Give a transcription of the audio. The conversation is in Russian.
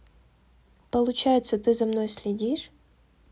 получается ты за мной следишь